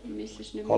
no missäs ne muut on